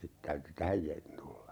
sitten täytyi tähän - tulla